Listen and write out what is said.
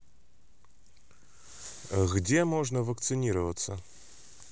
где можно вакцинироваться